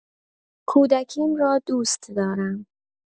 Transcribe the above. کودکیم را، دوست دارم.